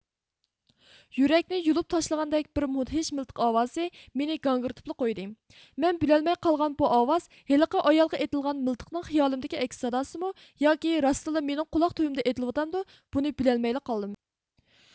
يۈرەكنى يۇلۇپ تاشلىغاندەك بىر مۇدھىش مىلتىق ئاۋازى مېنى گاڭگىرىتىپلا قويدى مەن بىلەلمەي قالغان بۇ ئاۋاز ھېلىقى ئايالغا ئېتىلغان مىلتىقنىڭ خىيالىمدىكى ئەكس ساداسىمۇ ياكى راستىنلا مېنىڭ قۇلاق تۈۋۈمدە ئېتىلىۋاتامدۇ بۇنى بىلەلمەيلا قالدىم